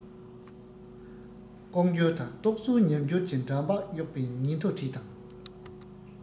ལྐོག འགྱུར དང རྟོག བཟོས ཉམས འགྱུར གྱི འདྲ འབག གཡོག པའི ཉིན ཐོ བྲིས དང